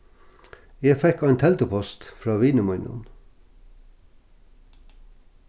eg fekk ein teldupost frá vini mínum